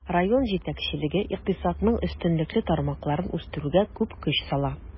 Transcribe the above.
Район җитәкчелеге икътисадның өстенлекле тармакларын үстерүгә күп көч сала.